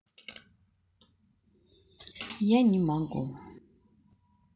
я не могу